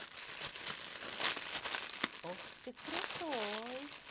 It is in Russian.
ох ты крутой